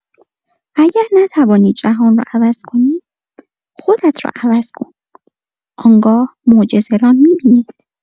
اگر نتوانی جهان را عوض کنی، خودت را عوض کن، آنگاه معجزه را می‌بینی!